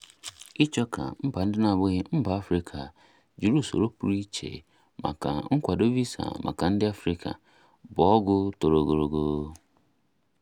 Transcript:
Ịchọ ka mba ndị n'abụghị mba Afrịka jiri usoro pụrụ iche maka nkwádo Visa maka ndị Afrịka bụ ọgụ toro ogologo.